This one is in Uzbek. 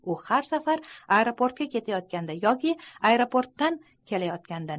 u har safar aeroportga ketayotganda yoki aeroportdan kelayotganda